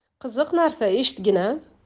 qiziq narsa eshitgin a